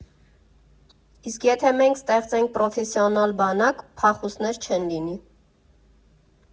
Իսկ եթե մենք ստեղծենք պրոֆեսիոնալ բանակ՝ փախուստներ չեն լինի։